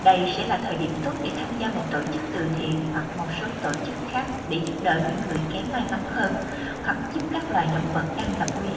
đây sẽ là thời điểm tốt để tham gia một tổ chức từ thiện hoặc một số tổ chức khác để giúp đỡ những người kém may mắn hơn hoặc giúp các loài động vật đang gặp nguy hiểm